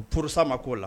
U psa ma k'o la